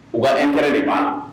U ka anɛrɛ de ban